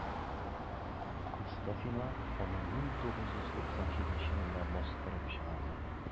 Мостафина аны 1997 елда бастырып чыгарды.